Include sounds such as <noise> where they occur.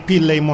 <hesitation> <hesitation>